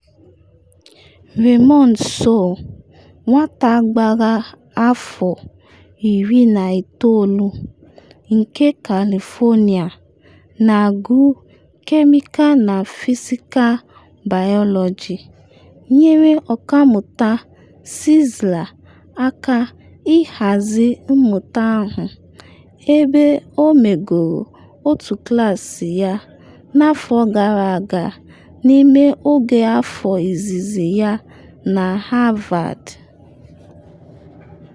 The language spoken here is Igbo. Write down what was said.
Raymond So, nwata gbara afọ 19 nke California na-agụ kemikal na fisikal baịyọlọji nyere Ọkammụta Czeisler aka ịhazi mmụta ahụ, ebe o megoro otu klaasị ya n’afọ gara aga n’ime oge afọ izizi ya na Harvard.